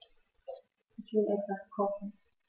Ich will etwas kochen.